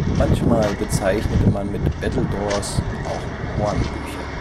Manchmal bezeichnete man mit „ Battledores “auch Hornbücher